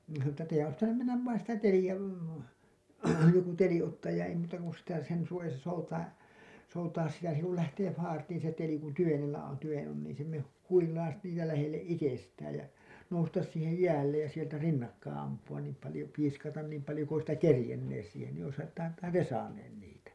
niin ne sanoi että teidän olisi pitänyt mennä vain sitä teliä joku teli ottaa ja ei muuta kuin sitä sen suojassa soutaa soutaa sitä se kun lähtee faartiin se teli kun tyvenellä on tyven on niin se - huilaisi niitä lähelle itsestään ja nousta siihen jäälle ja sieltä rinnakkain ampua niin paljon piiskata niin paljon kuin olisitte kerinneet siihen niin olisihan olisittehan te saaneet niitä